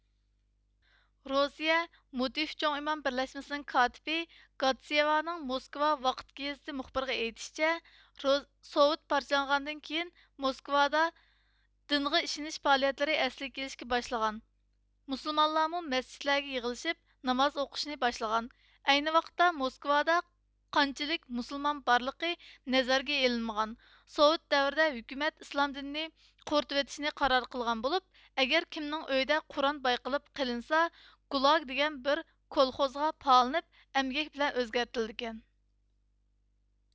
رۇسىيە مۇتىف چوڭ ئىمام بىرلەشمىسىنىڭ كاتىپى گاتسىيەۋانىڭ موسكۋا ۋاقىت گېزىتى مۇخبىرىغا ئېيتىشىچە سوۋېت پارچىلانغاندىن كېيىن موسكۋادا دىنغا ئىشىنىش پائالىيەتلىرى ئەسلىگە كېلىشكە باشلىغان مۇسۇلمانلارمۇ مەسچىتلەرگە يىغىلىشىپ ناماز ئۇقۇشنى باشلىغان ئەينى ۋاقىتتا موسكۋادا قانچىلىك مۇسۇلمان بارلىقى نەزەرگە ئېلىنمىغان سوۋېت دەۋرىدە ھۆكۈمەت ئىسلام دىنىنى قۇرۇتۇۋېتىشنى قارار قىلغان بولۇپ ئەگەر كىمنىڭ ئۆيىدە قۇرئان بايقىلىپ قېلىنسا گۇلاگ دېگەن بىر كولخوزغا پالىنىپ ئەمگەك بىلەن ئۆزگەرتىلىدىكەن